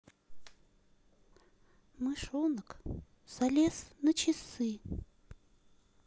мышонок залез на часы